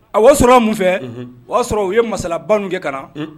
A wa sɔrɔ mun fɛ o y'a sɔrɔ u ye masalaban kɛ ka na